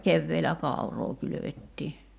keväällä kauraa kylvettiin